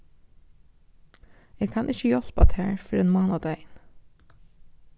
eg kann ikki hjálpa tær fyrr enn mánadagin